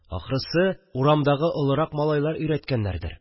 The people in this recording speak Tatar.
Ахрысы, урамдагы олырак малайлар өйрәткәннәрдер